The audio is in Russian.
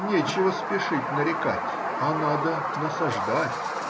Нечего спешить нарекать, а надо насаждать